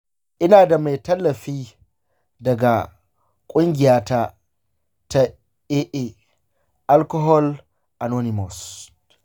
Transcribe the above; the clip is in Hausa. ina da mai tallafi daga ƙungiyata ta aa (alcohol anonymous).